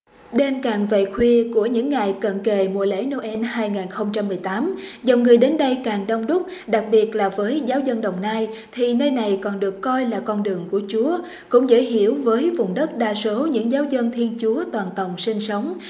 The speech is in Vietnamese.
đêm càng về khuya của những ngày cận kề mùa lễ nô en hai ngàn không trăm mười tám dòng người đến đây càng đông đúc đặc biệt là với giáo dân đồng nai thì nơi này còn được coi là con đường của chúa cũng dễ hiểu với vùng đất đa số những giáo dân thiên chúa toàn cầu sinh sống